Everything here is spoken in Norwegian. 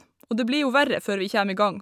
Og det blir jo verre før vi kjem i gang.